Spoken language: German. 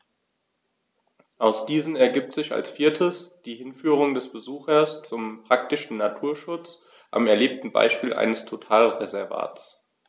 Aus diesen ergibt sich als viertes die Hinführung des Besuchers zum praktischen Naturschutz am erlebten Beispiel eines Totalreservats.